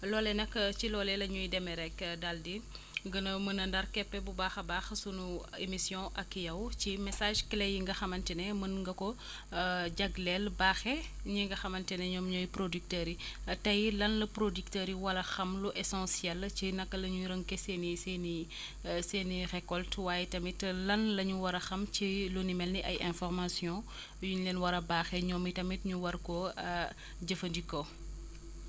loolee nag ci loolee la ñuy demee rek daal di gën a mën a ndar keppe bu baax a baax sunu émission ak yow ci message clés yi nga xamante ne mën nga ko jagleel baaxe ñi nga xamante ne ñoom ñooy producteurs yi tey lan la producteurs yi war a xam lu essentiel ci naka la ñuy rënkee seen i seen i seen i récoltes waaye tamit lan la ñu war a xam ci ci lu ni mel ni ay informations yu ñu leen war a baaxee ñoom i tamit ñu war ko jëfandikoo